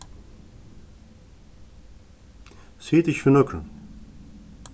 sig tað ikki fyri nøkrum